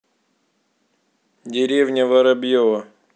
деревня воробьево